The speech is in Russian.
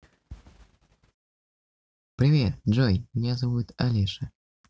привет джой меня зовут алеша